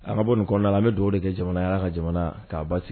An ka bɔ nin kɔnɔna la an bɛ dɔw de kɛ jamana y'a ka jamana k'a ba sigi